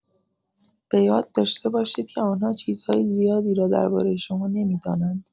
بۀاد داشته باشید که آن‌ها چیزهای زیادی را درباره شما نمی‌دانند.